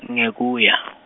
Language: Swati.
ngekuya.